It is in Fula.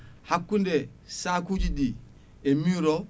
hakkude sakuji ɗi e mur o